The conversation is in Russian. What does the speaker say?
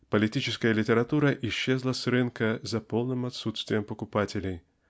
политическая литература исчезла с рынка за полным отсутствием покупателей